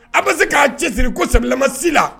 A bɛ se k'a cɛsiri ko sabulama si la